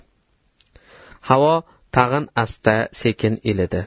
havo tag'in asta sekin ilidi